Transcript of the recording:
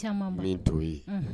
Caman ye to ye